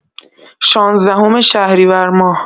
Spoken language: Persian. شانزدهم شهریورماه